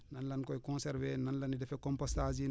nan la nu koy conserver nan defee compostage yi